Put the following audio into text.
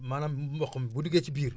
maanaam mboq mi bu duggee ci biir